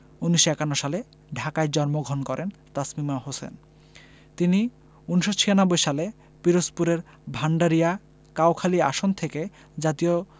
১৯৫১ সালে ঢাকায় জন্মগ্রহণ করেন তাসমিমা হোসেন তিনি ১৯৯৬ সালে পিরোজপুরের ভাণ্ডারিয়া কাউখালী আসন থেকে জাতীয়